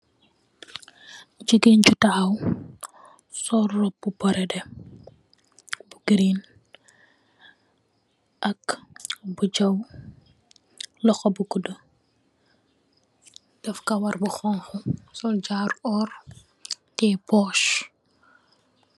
Jigeen ju taxaw sol róbbu borodeh green ak bu jaw loxo bu guddu def kawarr bu xonxu sol jaru oór teyeh puss.